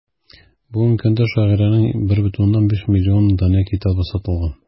Бүгенге көндә шагыйрәнең 1,5 миллион данә китабы сатылган.